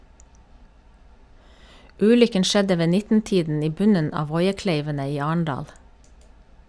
Ulykken skjedde ved 19-tiden i bunnen av Voiekleivene i Arendal.